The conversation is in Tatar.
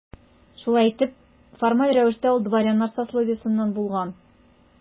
Шулай итеп, формаль рәвештә ул дворяннар сословиесеннән булган.